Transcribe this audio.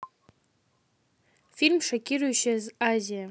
фильм шокирующая азия